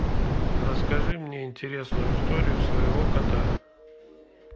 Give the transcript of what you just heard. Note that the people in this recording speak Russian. расскажи мне интересную историю своего кота